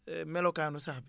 melokaanu sax bi